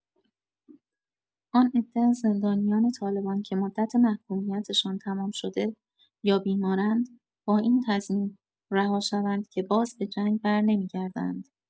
آن عده از زندانیان طالبان که مدت محکومیت‌شان تمام‌شده یا بیمار اند با این تضمین رها شوند که باز به جنگ برنمی‌گردند.